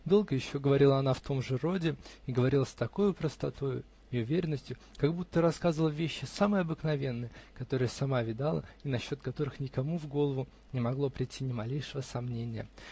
Долго еще говорила она в том же роде, и говорила с такою простотою и уверенностью, как будто рассказывала вещи самые обыкновенные, которые сама видала и насчет которых никому в голову не могло прийти ни малейшего сомнения.